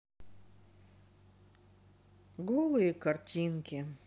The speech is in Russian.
голые картинки